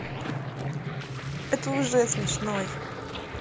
это уже смешной